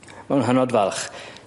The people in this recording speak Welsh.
Ma nw'n hynod falch.